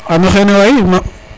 ano xene waay